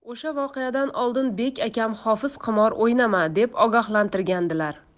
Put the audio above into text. o'sha voqeadan oldin bek akam hofiz qimor o'ynama deb ogohlantirgandilar